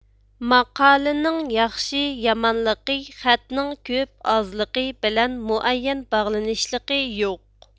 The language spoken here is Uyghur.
ماقالىنىڭ ياخشى يامانلىقى خەتنىڭ كۆپ ئازلىقى بىلەن مۇئەييەن باغلىنىشلىقى يوق